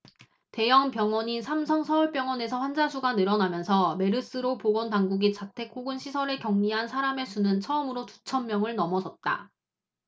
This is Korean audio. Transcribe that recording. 대형 병원인 삼성서울병원에서 환자수가 늘어나면서 메르스로 보건당국이 자택 혹은 시설에 격리한 사람의 수는 처음으로 두 천명을 넘어섰다